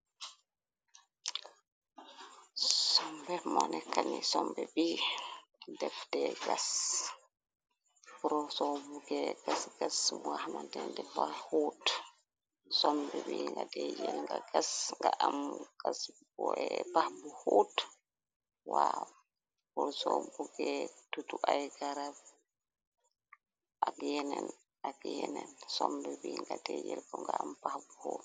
Sombe mo nekkani, sombe bi defte gas purr so buge gas gas mo amatende daffa hoot. Sombe bi nga de jel nga gas nga am gas pax bu hoot waa, purr so buge tutu ay garab ak yenen ak yenen sombe bi nga day jel purr nga am pax bu hoot.